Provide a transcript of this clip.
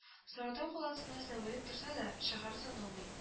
Сарытау каласына севелеп торсада, шәһәре саналмый